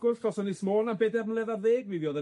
wrth gwrs, dros Ynys Môn am bedair mlynedd ar ddeg, mi fuodd yn